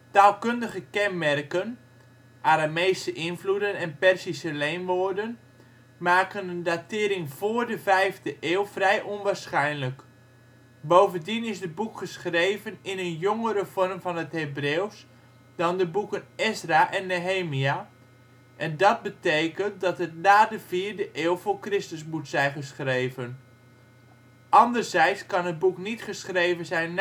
Taalkundige kenmerken (Aramese invloeden en Perzische leenwoorden) maken een datering vóór de vijfde eeuw vrij onwaarschijnlijk. Bovendien is het boek geschreven in een jongere vorm van het Hebreeuws dan de boeken Ezra en Nehemia, en dat betekent dat het na de vierde eeuw voor Christus moet zijn geschreven. Anderzijds kan het boek niet geschreven zijn